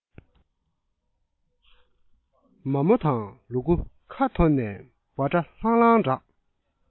མ མོ དང ལུ གུ ཁ ཐོར ནས འབའ སྒྲ ལྷང ལྷང གྲགས